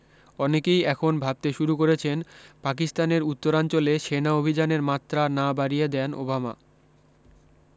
অনেকই এখন ভাবতে শুরু করেছেন পাকিস্তানের উত্তরাঞ্চলে সেনা অভি্যানের মাত্রা না বাড়িয়ে দেন ওবামা